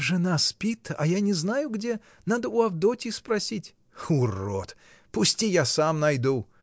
— Жена спит, а я не знаю где: надо у Авдотьи спросить. — Урод! Пусти, я сам найду.